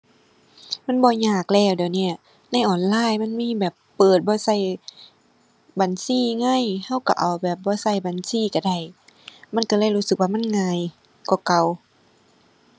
มันบ่ยากแล้วเดี๋ยวนี้ ในออนไลน์มันมีแบบเปิดบ่ใช้บัญชีไง ใช้ใช้เอาแบบบ่ใช้บัญชีใช้ได้ มันใช้เลยรู้สึกว่ามันง่ายกว่าเก่า